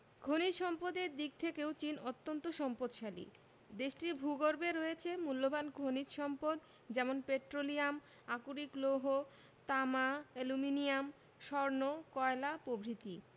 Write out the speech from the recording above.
খনিজ সম্পদের দিক থেকেও চীন অত্যান্ত সম্পদশালী দেশটির ভূগর্ভে রয়েছে মুল্যবান খনিজ সম্পদ যেমন পেট্রোলিয়াম আকরিক লৌহ তামা অ্যালুমিনিয়াম স্বর্ণ কয়লা প্রভৃতি